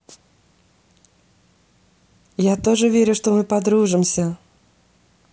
я тоже верю что мы подружимся